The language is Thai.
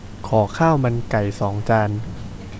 ขอข้าวมันไก่สองจาน